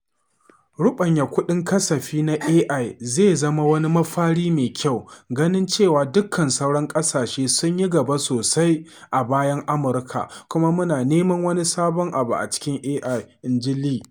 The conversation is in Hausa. “Ruɓanya kasafin kuɗi na AI zai zama wani mafari mai kyau, ganin cewa dukkan sauran ƙasashe sun yi gaba sosai a bayan Amurka kuma muna neman wani sabon abu a cikin AI,” inji Lee.